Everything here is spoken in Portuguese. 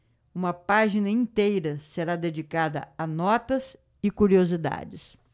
uma página inteira será dedicada a notas e curiosidades